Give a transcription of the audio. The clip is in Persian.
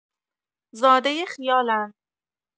زادۀ خیال اند.